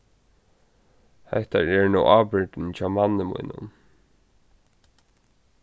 hettar er nú ábyrgdin hjá manni mínum